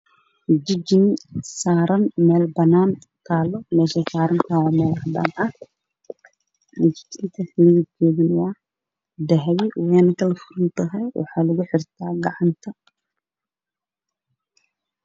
Jijin saran meel banan taalo meshey sarantahay waa meel cadaan ah jijinta midabkedu waa dahabi wena kala furantahay